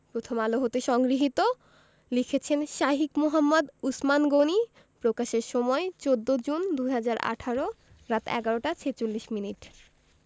প্রথমআলো হতে সংগৃহীত লিখেছেন শাঈখ মুহাম্মদ উছমান গনী প্রকাশের সময় ১৪ জুন ২০১৮ রাত ১১টা ৪৬ মিনিট